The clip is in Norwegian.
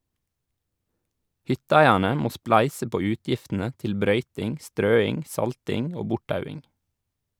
Hytteeierne må spleise på utgiftene til brøyting, strøing, salting og borttauing.